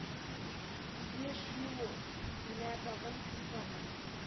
Ие шул менә тагын син тагын